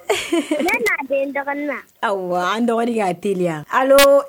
N bɛ na di n dɔgɔnin ma . Awɔ an dɔgɔnin ka teliya. Alo!